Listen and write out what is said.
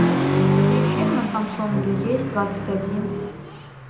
reefer на самсунге есть двадцать один